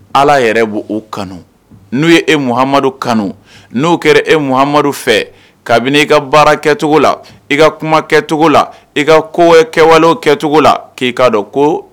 Ala yɛrɛ bɔ o kanu n'u ye e mumadu kanu n'o kɛra e mumadu fɛ kabini i ka baara kɛcogo la i ka kuma kɛcogo la i ka koyɔ kɛwale kɛcogo la k'i kaa dɔn ko